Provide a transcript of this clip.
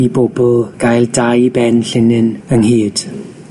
i bobl gael dau ben llinyn ynghyd.